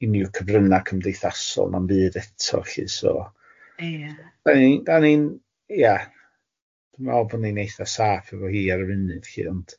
uniw cyfryna cymdeithasol na'm byd eto lly so... Ia. ...dan ni'n dan ni'n ia dwi'n meddwl bod ni'n eitha saff efo hi ar y funud lly ond